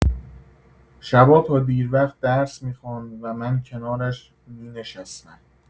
شبا تا دیر وقت درس می‌خواند و من کنارش می‌نشستم.